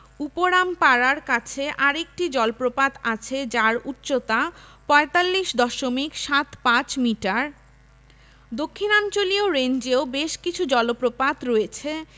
উপরামপারার কাছে আরেকটি জলপ্রপাত আছে যার উচ্চতা ৪৫ দশমিক সাত পাঁচ মিটার দক্ষিণাঞ্চলীয় রেঞ্জেও বেশ কিছু জলপ্রপাত রয়েছে